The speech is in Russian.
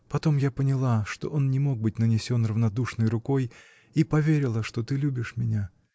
Потом я поняла, что он не мог быть нанесен равнодушной рукой, и поверила, что ты любишь меня.